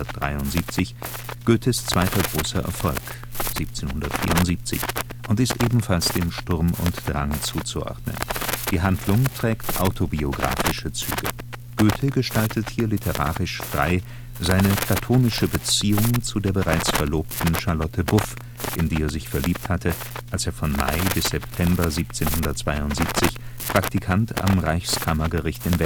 1773) Goethes zweiter großer Erfolg (1774) und ist ebenfalls dem Sturm und Drang zuzuordnen. Die Handlung trägt autobiographische Züge. Goethe gestaltet hier literarisch-frei seine platonische Beziehung zu der bereits verlobten Charlotte Buff, in die er sich verliebt hatte, als er von Mai bis September 1772 Praktikant am Reichskammergericht in